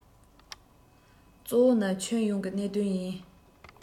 གཙོ བོ ནི ཁྱོན ཡོངས ཀྱི གནད དོན ཡིན